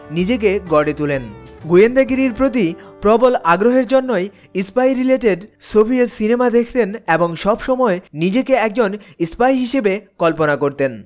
নিজেকে গড়ে তোলেন গোয়েন্দাগিরির প্রতি প্রবল আগ্রহের জন্যই স্পাই রিলেটেড সোভিয়েত সিনেমা দেখতেন এবং সবসময় নিজেকে একজন স্পাই হিসেবে কল্পনা করতেন